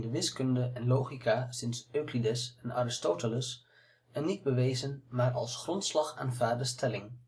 wiskunde en logica sinds Euclides en Aristoteles een niet bewezen, maar als grondslag aanvaarde stelling